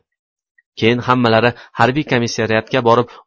keyin hammalari harbiy komissariatga borib